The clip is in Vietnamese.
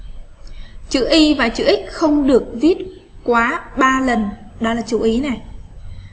chữ y và chữ x không được viết quá lần là chú ý này